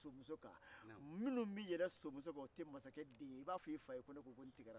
e dukɔnɔna bɛ se ka fara cogomi ka cɛn ale bɛ cɛ lasu ni o ye